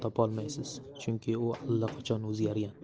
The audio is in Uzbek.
topolmaysiz chunki u allaqachon o'zgargan